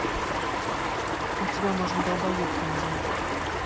у тебя можно долбоебка назвать